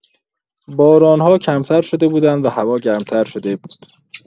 باران‌ها کمتر شده بودند و هوا گرم‌تر شده بود.